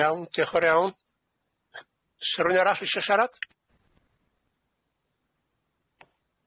Iawn dioch yn fawr iawn. 'Sa rywun arall isio siarad?